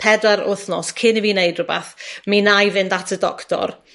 pedwar wthnos cyn i fi neud rywbath, mi nai fynd at y doctor